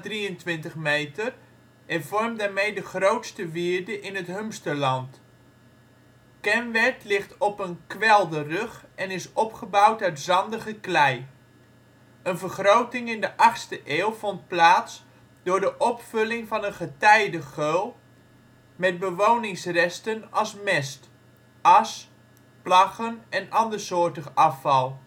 4,23 meter en vormt daarmee de grootste wierde in het Humsterland. Kenwerd ligt op een kwelderrug en is opgebouwd uit zandige klei. Een vergroting in de 8e eeuw vond plaats door de opvulling van een getijdegeul met bewoningsresten als mest, as, plaggen en andersoortig afval